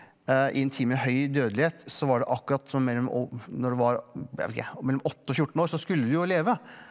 i en tid med høy dødelighet så var det akkurat sånn mellom når det var jeg vet ikke når du var mellom åtte og 14 år så skulle du jo leve.